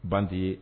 Ban ye